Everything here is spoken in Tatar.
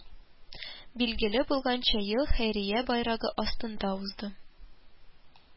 Билгеле булганча, ел хәйрия байрагы астында узды